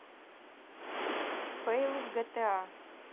фейлы в гта